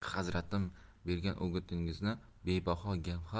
hazratim bergan o'gitingizni bebaho gavhar